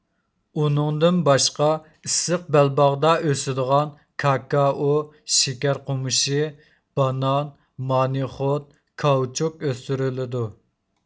ئۇنىڭدىن باشقا ئىسسىق بەلباغدا ئۆسىدىغان كاكائو شېكەر قومۇشى بانان مانىخوت كاۋچۇك ئۆستۈرۈلىدۇ